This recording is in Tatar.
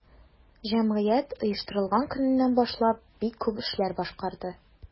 Җәмгыять оештырылган көннән башлап бик күп эшләр башкарды.